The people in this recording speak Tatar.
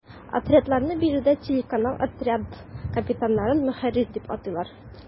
Отрядларны биредә “телеканал”, отряд капитаннарын “ мөхәррир” дип атыйлар.